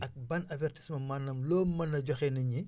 ak ban avertissement maanaam loo mën a joxe nit ñi